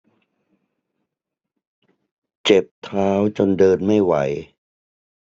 เจ็บเท้าจนเดินไม่ไหว